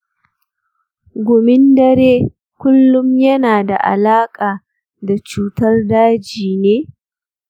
gumin dare kullum yana da alaƙa da cutar daji ne?